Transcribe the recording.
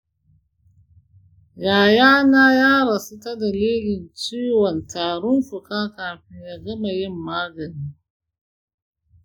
yaya na ya rasu ta dalilin ciwon tarin fuka kafin ya gama yin magani.